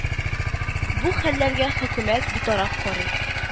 Бу хәлләргә хөкүмәт битараф карый